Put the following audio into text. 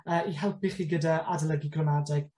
Yy i helpu chi gyda adolygu gramadeg.